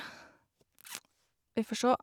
Vi får sjå.